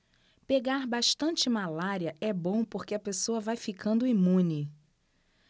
pegar bastante malária é bom porque a pessoa vai ficando imune